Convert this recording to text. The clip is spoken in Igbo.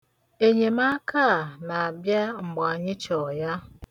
Enyemaka a na-abịa mgbe m chọ ya.